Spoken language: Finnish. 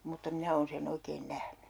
mutta minä olen sen oikein nähnyt